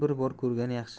bir bor ko'rgan yaxshi